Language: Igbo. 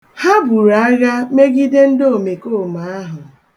Ha buru agha megide ndị omekoome ahụ.